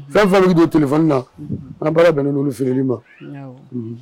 Fɛn fɛn min me do téléphone na an ŋa baara bɛnnen d'olu feereli ma awɔ unhun